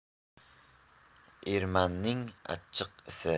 ermanning achchiq isi